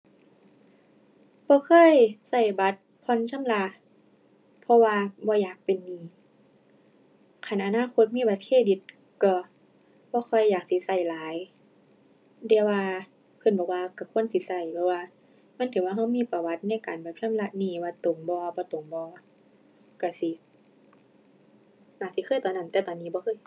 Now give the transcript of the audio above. บ่เคยใช้บัตรผ่อนชำระ เพราะว่าบ่อยากเป็นหนี้ คันอนาคตมีบัตรเครดิตใช้บ่ค่อยอยากสิใช้หลาย แต่ว่าเพิ่นบอกว่าใช้ควรสิใช้ เพราะว่ามันใช้เหมือนใช้มีประวัติในการแบบชำระหนี้ว่าตรงบ่ บ่ตรงบ่ ใช้สิ น่าสิเคยตอนนั้น แต่ตอนนี้บ่เคย